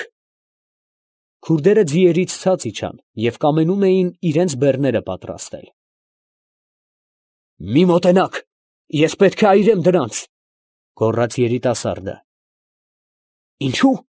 Քուրդերը ձիերից ցած իջան և կամենում էին իրենց բեռները պատրաստել։ ֊ Մի՛ մոտենաք, ես պետք է այրեմ դրանց, ֊ գոռաց երիտասարդը։ ֊ Ի՞նչու։ ֊